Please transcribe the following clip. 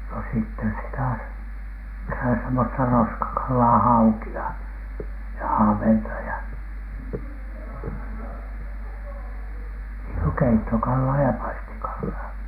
no sitten sitä sitä semmoista roskakalaa haukia ja ahventa ja niin kuin keittokalaa ja paistikalaa